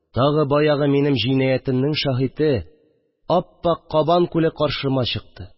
Тагы баягы минем җинаятемнең шаһиде – ап-ак Кабан күле каршыма чыкты